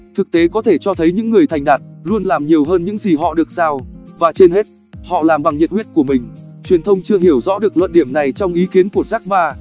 thực tế có thể cho thấy những người thành đạt luôn làm nhiều hơn những gì họ được giao và trên hết họ làm bằng nhiệt huyết của mình truyền thông chưa hiểu rõ được luận điểm này trong ý kiến của jack ma